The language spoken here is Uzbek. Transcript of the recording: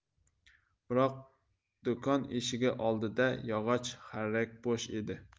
biroq do'kon eshigi oldidagi yog'och xarrak bo'sh edi